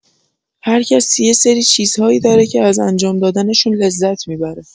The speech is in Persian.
هرکسی یه سری چیزهایی داره که از انجام دادنشون لذت می‌بره.